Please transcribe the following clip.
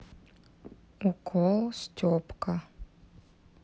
укол степка